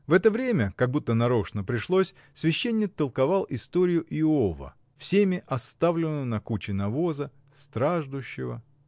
В это время, как будто нарочно пришлось, священник толковал историю Иова, всеми оставленного на куче навоза, страждущего.